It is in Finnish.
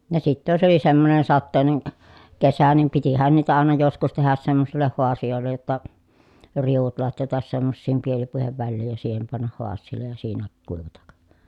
ja sitten jos oli semmoinen sateinen kesä niin pitihän niitä aina joskus tehdä semmoisille haasioille jotta riu'ut latjata semmoisiin pielipuiden väliin ja siihen panna haasialle ja siinä kuivata